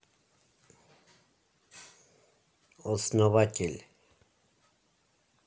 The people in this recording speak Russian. основатель